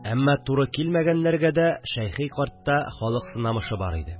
Әммә туры килмәгәннәргә дә Шәйхи картта халык сынамышы бар иде